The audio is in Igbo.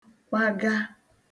kwaga